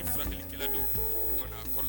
Furakɛli kelen don kɔnɔ